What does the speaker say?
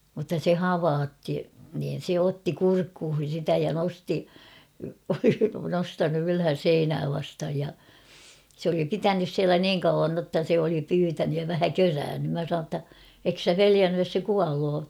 mutta se havaitsi niin se otti kurkkuihin sitä ja nosti oli nostanut ylhäälle seinää vastaan ja se oli pitänyt siellä niin kauan jotta se oli pyytänyt ja vähän körännyt minä sanoin jotta etkö sinä pelännyt jos se kuolee